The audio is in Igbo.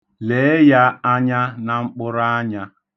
Lee ya anya na mkpụrụanya.